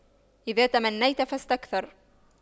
إذا تمنيت فاستكثر